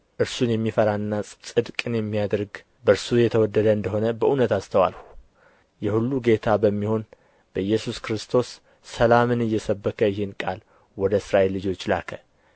እርሱን የሚፈራና ጽድቅን የሚያደርግ በእርሱ የተወደደ እንደ ሆነ በእውነት አስተዋልሁ የሁሉ ጌታ በሚሆን በኢየሱስ ክርስቶስ ሰላምን እየሰበከ ይህን ቃል ወደ እስራኤል ልጆች ላከ